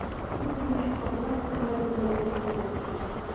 Иң беренче, хатыным Фәһимә турында әйтәсем килә.